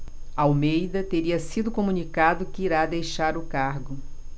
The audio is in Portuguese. almeida teria sido comunicado que irá deixar o cargo